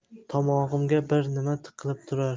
tomog'imga bir nima tiqilib turar